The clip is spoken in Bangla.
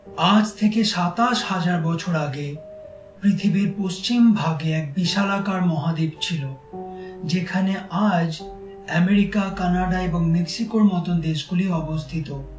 আজ থেকে ২৭ হাজার বছর আগে পৃথিবীর পশ্চিম ভাগে এক বিশাল আকার মহাদ্বীপ ছিল যেখানে আজ এমেরিকা কানাডা এবং মেক্সিকোর মত দেশ গুলি অবস্থিত